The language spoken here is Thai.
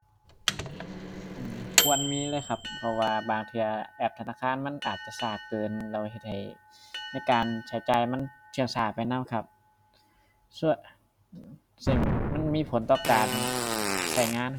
อือ ควรมีเลยครับ เพราะว่าบางเทื่อแอปธนาคารมันอาจจะช้าเกิน แล้วเฮ็ดให้ในการใช้จ่ายมันเชื่องช้าไปนำครับ ซัวะ ซึ่งมันมีผลต่อการใช้งาน